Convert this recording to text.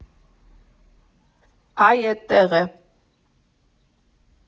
Այ էդտեղ է.